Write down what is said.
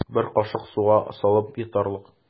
Бер кашык суга салып йотарлык.